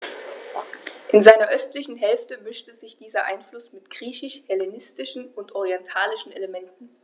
In seiner östlichen Hälfte mischte sich dieser Einfluss mit griechisch-hellenistischen und orientalischen Elementen.